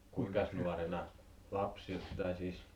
kuinkas nuorena lapsi tai siis